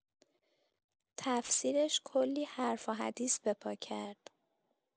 تفسیرش کلی حرف و حدیث به پا کرد.